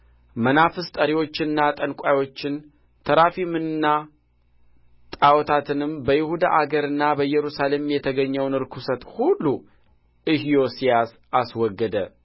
መናፍስት ጠሪዎቹንና ጠንቋዮቹን ተራፊምንና ጣዖታትንም በይሁዳ አገርና በኢየሩሳሌም የተገኘውን ርኵሰት ሁሉ ኢዮስያስ አስወገደ